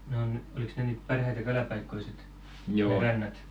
no olikos ne niitä parhaita kalapaikkoja sitten ne rannat